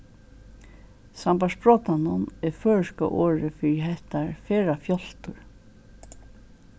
sambært sprotanum er føroyska orðið fyri hetta ferðafjáltur